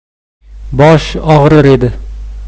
bosh og'rir edi